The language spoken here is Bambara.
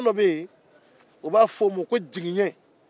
fɛn dɔ bɛ yen o b'a fɔ o man ko jigiɲɛ